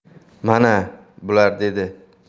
mana bular dedi